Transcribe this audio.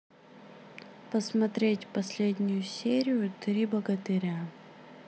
посмотреть последнюю серию три богатыря